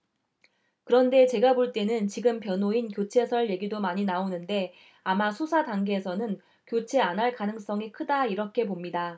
그런데 제가 볼 때는 지금 변호인 교체설 얘기도 많이 나오는데 아마 수사 단계에서는 교체 안 할 가능성이 크다 이렇게 봅니다